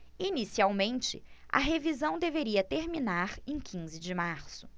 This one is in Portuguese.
inicialmente a revisão deveria terminar em quinze de março